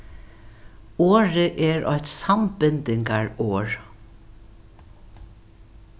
orðið er eitt sambindingarorð